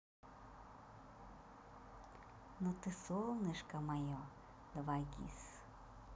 но ты солнышко мое 2gis